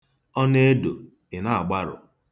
Ọ na-edo, ị na-agbarụ.